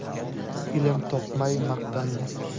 ilm topmay maqtanma